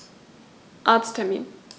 Arzttermin